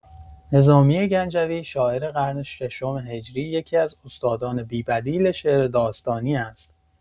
نظامی‌گنجوی، شاعر قرن ششم هجری، یکی‌از استادان بی‌بدیل شعر داستانی است.